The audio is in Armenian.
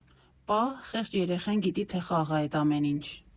«Պա՜հ, խեղճ երեխեն գիտի թե խաղ ա էդ ամեն ինչ»։